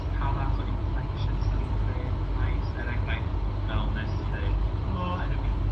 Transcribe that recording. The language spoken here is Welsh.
pa fath o inflections 'dan ni'n creu yn y llais er enghraifft fel nest ti ddeud helo enw fi 'di...